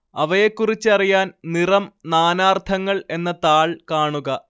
അവയെക്കുറിച്ചറിയാൻ നിറം നാനാർത്ഥങ്ങൾ എന്ന താൾ കാണുക